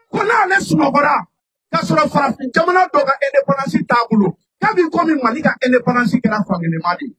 Ko ne ka sɔrɔ fara jamana dɔ ka e ni kɔlɔsi t'a bolo man ka e ni kɔlɔsi kɛra fama di